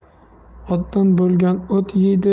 otdan bo'lgan o't yeydi